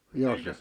ja